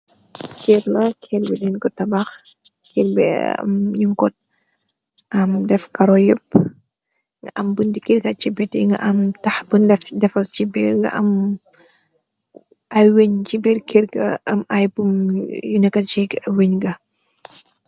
Ker la, ker bi lin go tabax kir bi am ñun kor am def karo yepp, nga am buti ker ci beti, nga am tax bu defar ci birr, nga am ay wiñ ci bir kirgi am ay bu yunaka jeeg wiñ ga.